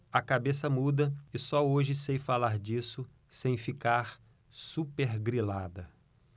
a cabeça muda e só hoje sei falar disso sem ficar supergrilada